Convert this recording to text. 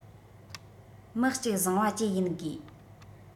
མི གཅིག བཟང བ བཅས ཡིན དགོས